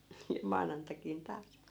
ja maanantaikin taas